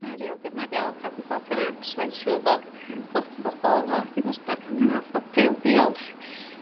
A ril defnyddiol ca'l gwbod hynna actually siwr bod... Hmm. ...lot o bobol bobol efo diddordab mewn hwnna so bril diolch.